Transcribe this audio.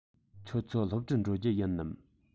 ཁྱོད ཚོ སློབ གྲྭར འགྲོ རྒྱུ ཡིན ནམ